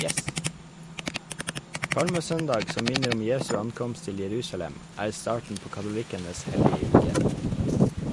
Palmesøndag, som minner om Jesu ankomst til Jerusalem, er starten på katolikkenes hellige uke.